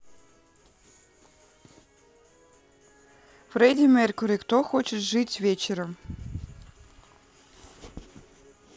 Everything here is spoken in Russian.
freddie mercury кто хочет жить вечером